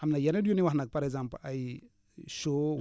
am na yeneen yu ni wax nag par exemple ay *